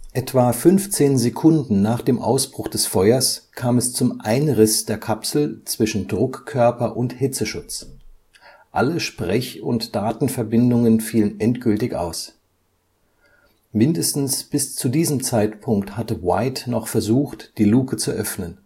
Etwa 15 Sekunden nach dem Ausbruch des Feuers kam es zum Einriss der Kapsel zwischen Druckkörper und Hitzeschutz. Alle Sprech - und Datenverbindungen fielen endgültig aus. Mindestens bis zu diesem Zeitpunkt hatte White noch versucht, die Luke zu öffnen